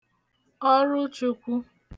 ọrụchukwu